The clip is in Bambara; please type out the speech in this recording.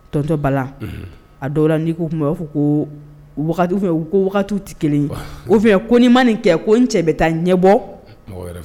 Tɔnontɔ bala a dɔw la n'i ko tun'a fɔ ko wagati u ko tɛ kelen o ko ni ma nin kɛ ko n cɛ bɛ taa ɲɛ bɔ